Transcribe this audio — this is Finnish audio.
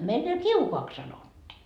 meillä kiukaaksi sanottiin